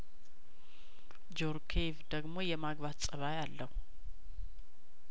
ጆርኬይፍ ደግሞ የማግባት ጸባይአለው